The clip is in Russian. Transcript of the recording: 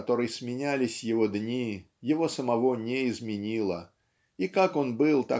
в которой сменялись его дни его самого не изменила и как он был